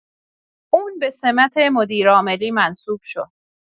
اون به سمت مدیرعاملی منصوب شد